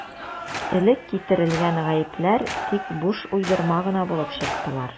Элек китерелгән «гаепләр» тик буш уйдырма гына булып чыктылар.